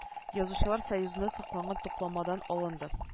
Язучылар союзында сакланган тупланмадан алынды